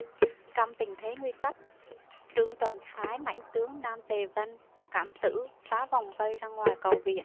trong tình thế nguy cấp trương tuần phái mãnh tướng nam tề vân cảm tử phá vòng vây ra ngoài cầu viện